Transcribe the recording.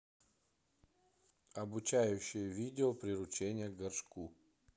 обучающее видео приучение к горшку